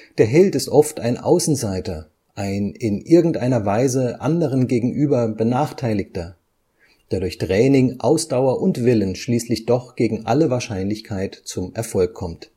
Der Held ist oft ein Außenseiter, ein in irgendeiner Weise anderen gegenüber Benachteiligter, der durch Training, Ausdauer und Willen schließlich doch gegen alle Wahrscheinlichkeit zum Erfolg kommt